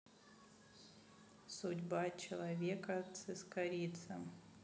судьба человека цискаридзе